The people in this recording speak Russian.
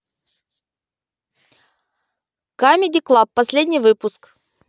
камеди клаб последний выпуск